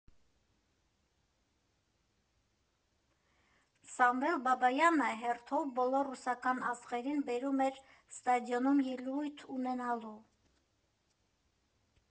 Սամվել Բաբայանը հերթով բոլոր ռուսական աստղերին բերում էր ստադիոնում ելույթ ունենալու։